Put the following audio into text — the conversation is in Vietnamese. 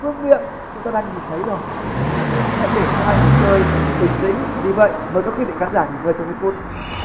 vương miện chúng ta đang nhìn thấy rồi nhưng hãy để cho hai người chơi thật bình tĩnh vì vậy mời các quý vị khán giả nghỉ ngơi trong ít phút